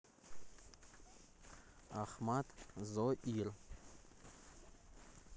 ахмат зоир